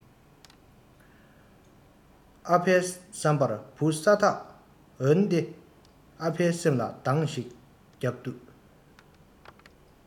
ཨ ཕའི བསམ པར བུ ས ཐག འོན ཏེ ཨ ཕའི སེམས ལ གདང ཞིག བརྒྱབ དུས